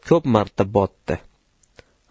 ko'p marta botdi